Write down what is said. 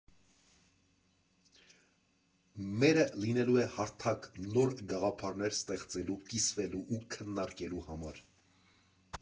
Մերը լինելու է հարթակ՝ նոր գաղափարներ ստեղծելու, կիսվելու ու քննարկելու համար։